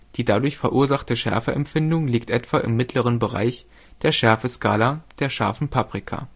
die dadurch verursachte Schärfeempfindung liegt in etwa im mittleren Bereich der Schärfeskala der scharfen Paprika